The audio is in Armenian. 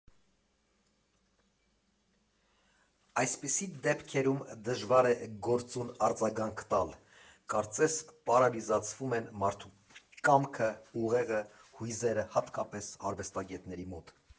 Այսպիսի դեպքերում դժվար է գործուն արձագանք տալ, կարծես պարալիզացվում են մարդու կամքը, ուղեղը, հույզերը, հատկապես արվեստագետների մոտ։